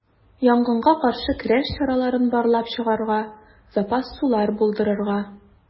Янгынга каршы көрәш чараларын барлап чыгарга, запас сулар булдырырга.